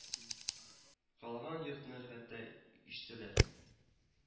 Калган йортны хәтта иштеләр